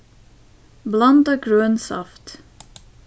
blandað grøn saft